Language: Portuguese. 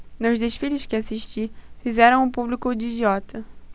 nos desfiles que assisti fizeram o público de idiota